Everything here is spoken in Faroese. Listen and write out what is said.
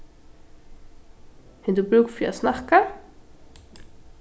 hevur tú brúk fyri at snakka